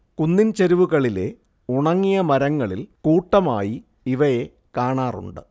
കുന്നിൻ ചെരുവുകളിലെ ഉണങ്ങിയ മരങ്ങളിൽ കൂട്ടമായി ഇവയെ കാണാറുണ്ട്